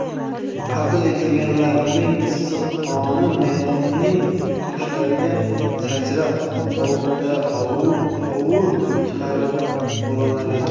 qatl etilganlarning issiq qoni maydonning toshlariga sachrab sovuqda hovur chiqarib bug'lanar edi